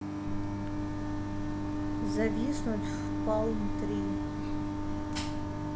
зависнуть в палм три